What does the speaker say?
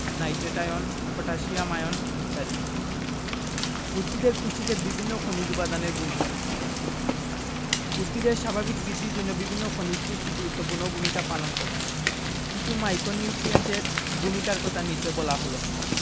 nitrate ion potassium ion ইত্যাদি উদ্ভিদের পুষ্টিতে বিভিন্ন খনিজ উপাদানের ভূমিকা উদ্ভিদের স্বাভাবিক বৃদ্ধির জন্য বিভিন্ন খনিজ পুষ্টি গুরুত্বপূর্ণ ভূমিকা পালন করে কিছু মাইকোনিউট্রিয়েন্টের ভূমিকার কথা নিচে বলা হল